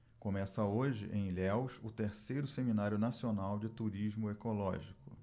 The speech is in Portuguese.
começa hoje em ilhéus o terceiro seminário nacional de turismo ecológico